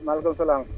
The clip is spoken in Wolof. maaleykum salaam